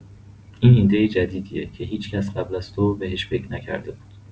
این ایده جدیدیه که هیچ‌کس قبل از تو بهش فکر نکرده بود.